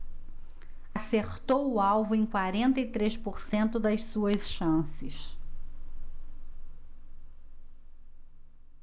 acertou o alvo em quarenta e três por cento das suas chances